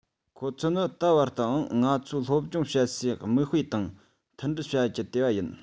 ཁོ ཚོ ནི ད བར དུའང ང ཚོའི སློབ སྦྱོང བྱེད སའི མིག དཔེ དང མཐུན སྒྲིལ བྱ ཡུལ ལྟེ བ ཡིན